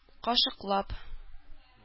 Кашыклап